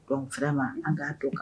Dɔnku filɛ ma an k'a kɛ